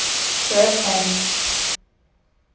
trap and